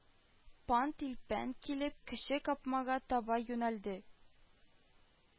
Пан-тилпән килеп, кече капкага таба юнәлде